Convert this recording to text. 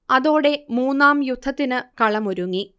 അതോടെ മൂന്നാം യുദ്ധത്തിന് കളമൊരുങ്ങി